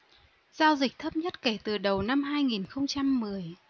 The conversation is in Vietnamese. giao dịch thấp nhất kể từ đầu năm hai nghìn không trăm mười